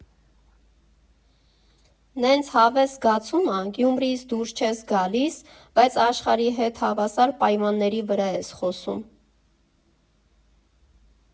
Նենց հավես զգացում ա՝ Գյումրիից դուրս չես գալիս, բայց աշխարհի հետ հավասար պայմանների վրա ես խոսում։